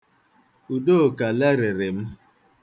Udoka lelịrị m.